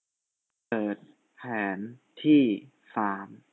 เปิดแผนที่ฟาร์ม